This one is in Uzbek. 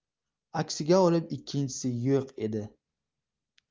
aksiga olib ikkinchisi yo'q edi